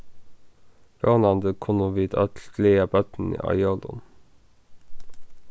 vónandi kunnu vit øll gleða børnini á jólum